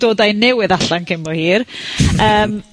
...dod â un newydd allan cyn bo hir, yym...